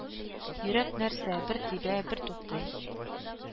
Йөрәк нәрсә, бер тибә, бер туктый